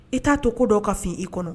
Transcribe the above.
I ta to ko dɔw ka fin i kɔnɔ?